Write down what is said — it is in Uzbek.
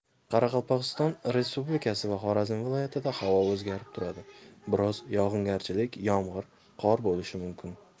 qoraqalpog'iston respublikasi va xorazm viloyatida havo o'zgarib turadi biroz yog'ingarchilik yomg'ir qor bo'lishi mumkin